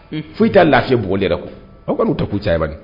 Fosi t'a lafiya bugɔli yɛrɛ kɔ, aw ka na o caya bani.